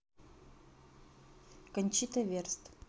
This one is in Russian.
кончита верст